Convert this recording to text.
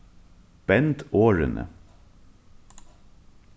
bend orðini